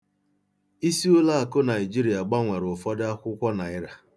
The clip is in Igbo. Isi ulaakụ Naịjirịa gbanwere ụfọdụ akwụkwọ naịra.